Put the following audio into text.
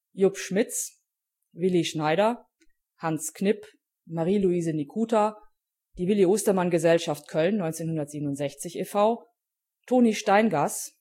Jupp Schmitz Willy Schneider Hans Knipp Marie-Luise Nikuta Willi Ostermann Gesellschaft Köln 1967 e.V. Toni Steingass